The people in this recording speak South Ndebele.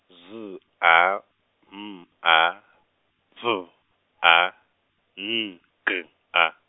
Z, A, M, A, B, A, N, G, A.